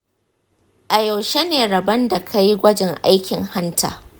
a yaushe ne rabon da ka yi gwajin aikin hanta?